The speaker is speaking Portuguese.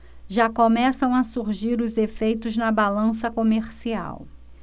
já começam a surgir os efeitos na balança comercial